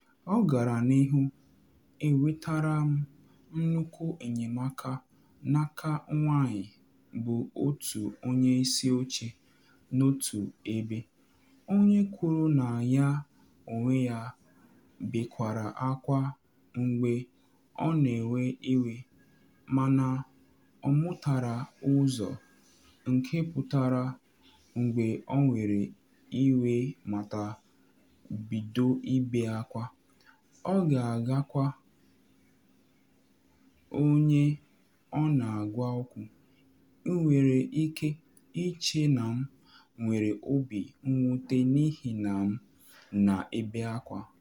Ọ gara n’ihu, “Enwetara m nnukwu enyemaka n’aka nwanyị bụ otu onye isi oche n’otu ebe, onye kwuru na ya onwe ya bekwara akwa mgbe ọ na ewe iwe, mana ọ mụtara ụzọ nke pụtara mgbe ọ were iwe ma bido ịbe akwa, ọ ga-agwa onye ọ na agwa okwu, “Ị nwere ike ịche na m nwere obi mwute n’ihi na m na ebe akwa.